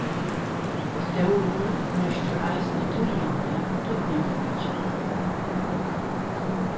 stórur merkir eisini týðandi og týdningarmikil